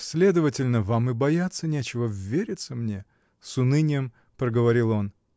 — Следовательно, вам и бояться нечего ввериться мне! — с унынием договорил он.